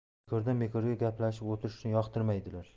bekordan bekorga gaplashib o'tirishni yoqtirmaydilar